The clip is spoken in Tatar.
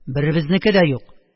Беребезнеке дә юк.